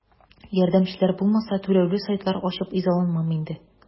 Ярдәмчеләр булмаса, түләүле сайтлар ачып изаланмам инде.